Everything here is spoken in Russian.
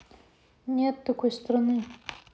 нет такой страны